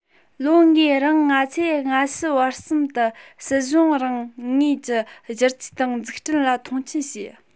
ལོ ལྔའི རིང ང ཚོས སྔ ཕྱི བར གསུམ དུ སྲིད གཞུང རང ངོས ཀྱི བསྒྱུར བཅོས དང འཛུགས སྐྲུན ལ མཐོང ཆེན བྱས